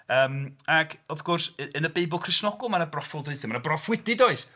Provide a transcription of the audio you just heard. Yym ac wrth gwrs, yn y Beibl Cristnogol mae 'na proffwydaethau, mae 'na broffwydi does?